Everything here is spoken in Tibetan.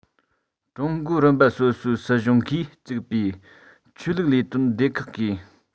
ཀྲུང གོའི རིམ པ སོ སོའི སྲིད གཞུང གིས བཙུགས པའི ཆོས ལུགས ལས དོན སྡེ ཁག གིས